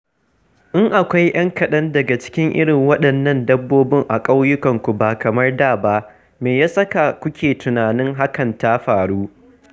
In akwai 'yan kaɗan daga cikin irin waɗannan dabbobin a ƙauyukanku ba kamar da ba, me ya sa kuke tunanin hakan ta faru?